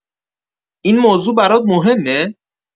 این موضوع برات مهمه؟